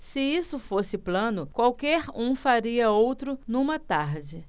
se isso fosse plano qualquer um faria outro numa tarde